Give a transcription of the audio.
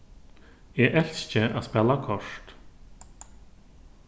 eg elski at spæla kort